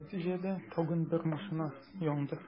Нәтиҗәдә, тагын бер машина янды.